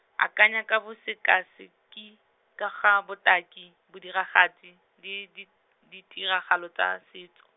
akanya ka bosekaseki, ka ga botaki, bodiragatsi, le dit-, ditiragalo tsa setso.